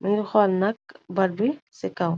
mingi xol nakk bal bi ci kaw.